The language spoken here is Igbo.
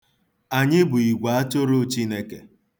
Anyị bụ igweatụrụ Chineke.